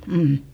mm